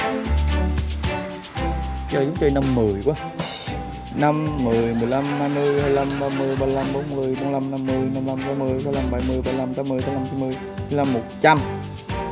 giống chơi năm mười quá năm mười mười lăm hai mươi hai hai lăm ba mươi ba lăm bốn mươi bốn lăm năm mươi năm lăm sáu mươi sáu lăm bảy mười bảy lăm tám mươi tám lăm chín mươi chín lăm một trăm